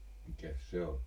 mikäs se oli